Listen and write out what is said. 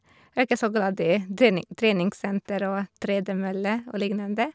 Er ikke så glad i trening treningssenter og tredemølle og lignende.